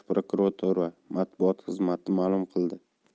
prokuratura matbuot xizmati ma'lum qildi